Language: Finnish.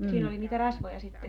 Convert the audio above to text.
siinä oli niitä rasvoja sitten